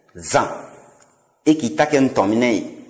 zan e k'i ta kɛ ntɔn minɛ ye